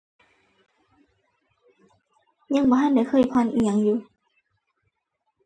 ยังบ่ทันได้เคยผ่อนอิหยังอยู่